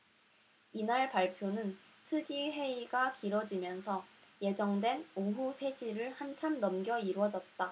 이날 발표는 특위 회의가 길어지면서 예정된 오후 세 시를 한참 넘겨 이뤄졌다